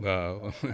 waaw